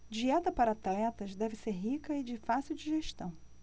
dieta para atletas deve ser rica e de fácil digestão